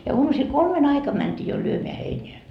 ja aamusilla kolmen aikana mentiin jo lyömään heinää